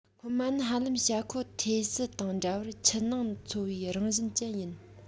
སྔོན མ ནི ཧ ལམ བྱ ཁོ ཐེ སི དང འདྲ བར ཆུ ནང འཚོ བའི རང བཞིན ཅན ཡིན